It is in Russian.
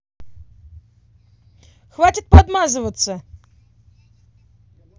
хватит подмазываться